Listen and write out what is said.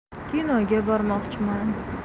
kinoga bormoqchiman